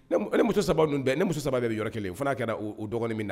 Ni muso muso saba bɛ yɔrɔ kelen o fana dɔgɔnin na